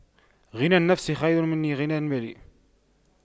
غنى النفس خير من غنى المال